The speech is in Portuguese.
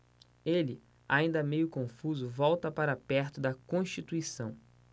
ele ainda meio confuso volta para perto de constituição